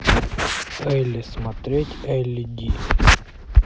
элли смотреть элли ди